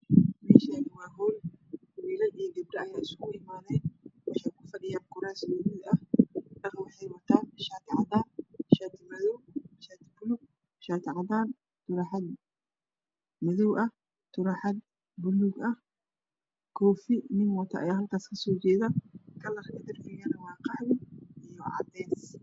Meeshaani waa hool wiilal iyo gabdho ayaa iskugu imaadeen waxey ku fadhiyaan kuraas gaduud ah dhar waxay wataan shaati cadaan shaati madoow shaati buluug shaati cadaan turaaxad madoow ah turaaxad buluug ah koofi nin wata ayaa halkaas kasoo jeeda kalarka darbigana waa qaxwi iyo cadees